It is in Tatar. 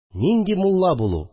Нинди мулла булу